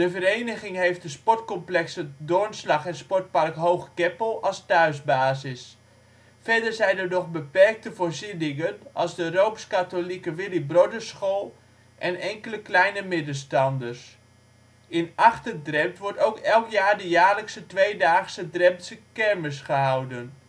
vereniging heeft de sportcomplexen ' t Doornslag en sportpark Hoog Keppel als thuisbasis. Verder zijn er nog beperkte voorzieningen als de Rooms-Katholieke Willibrordusschool, en enkele kleine middenstanders. In Achter-Drempt wordt ook elk jaar de jaarlijkse twee daagse Dremptse Kermis gehouden